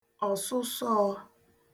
ọ̀sụsọọ̄